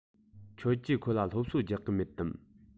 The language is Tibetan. ཁྱོད ཀྱིས ཁོ ལ སློབ གསོ རྒྱག གི མེད དམ